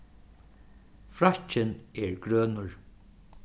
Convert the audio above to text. frakkin er grønur